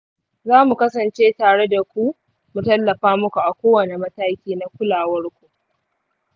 za mu kasance tare da ku mu tallafa muku a kowane mataki na kulawarku.